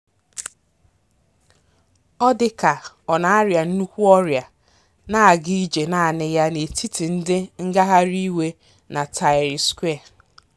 Ọ dị ka ọ na-arịa nnukwu ọrịa, na-aga ije naanị ya n'etiti ndị ngagharị iwe na Tahrir square.